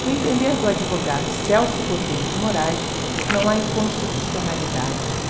no entender do advogado celso botelho de moraes não há inconstitucionalidade